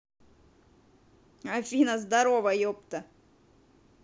афина здарова епта